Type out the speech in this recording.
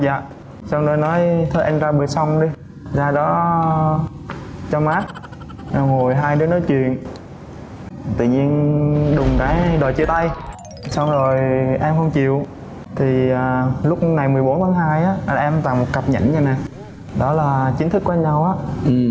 dạ xong rồi nói thôi em ra bờ sông đi ra đó cho mát xong rồi hai đứa nói chuyện tự nhiên đùng cái đòi chia tay xong rồi em không chịu thì ờ lúc ngày mười bốn tháng hai á là em tặng một cặp nhẩn dậy nè đó là chính thức quen nhau á